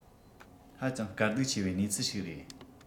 ཧ ཅང དཀའ སྡུག ཆེ བའི གནས ཚུལ ཞིག རེད